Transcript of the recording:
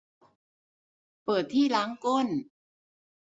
เปิดที่ล้างก้น